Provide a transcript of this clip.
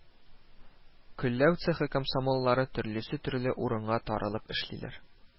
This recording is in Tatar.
Көлләү цехы комсомоллары төрлесе төрле урынга таралып эшлиләр